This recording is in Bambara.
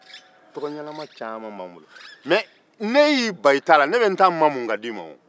mɛ n'e y'i ban i ta la ne bɛ n ta mamun ka di e ma o